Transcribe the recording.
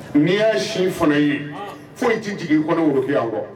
N'i y'a sin fana ye, an, fosi tɛ jigin i kɔnɔ, woro tila kɔ.